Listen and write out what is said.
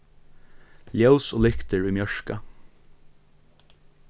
ljós og lyktir í mjørka